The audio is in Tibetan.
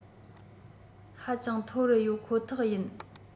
ཧ ཅང མཐོ རུ ཡོད ཁོ ཐག ཡིན